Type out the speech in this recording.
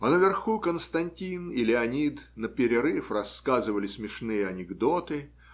А наверху Константин и Леонид наперерыв рассказывали смешные анекдоты